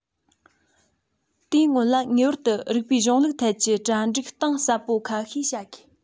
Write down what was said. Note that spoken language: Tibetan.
དེའི སྔོན ལ ངེས པར དུ རིགས པའི གཞུང ལུགས ཐད ཀྱི གྲ སྒྲིག གཏིང ཟབ པོ ཁ ཤས བྱ དགོས